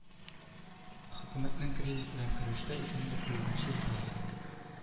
Хөкүмәтнең кризис белән көрәштә ике мең дә сигезенче елдагы